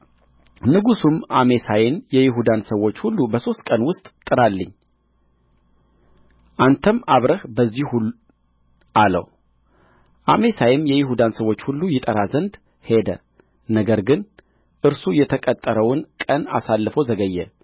ንጉሡም አሜሳይን የይሁዳን ሰዎች ሁሉ በሦስት ቀን ውስጥ ጥራልኝ አንተም አብረህ በዚህ ሁን አለው አሜሳይም የይሁዳን ሰዎች ሁሉ ይጠራ ዘንድ ሄደ ነገር ግን እርሱ የተቀጠረውን ቀን አሳልፎ ዘገየ